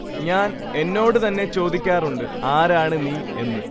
ഞാൻ എന്നോട് തന്നെ ചോദിക്കാറുണ്ട് ആരാണ് നീഎന്ന്